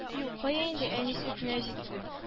Юк, кая инде әни сөтенә җитсен